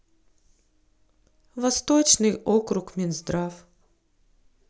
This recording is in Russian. восточный округ минздрав